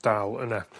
dal yna.